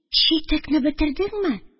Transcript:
Читекне бетердеңме